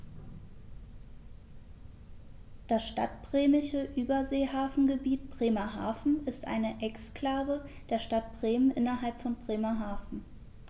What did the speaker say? Das Stadtbremische Überseehafengebiet Bremerhaven ist eine Exklave der Stadt Bremen innerhalb von Bremerhaven.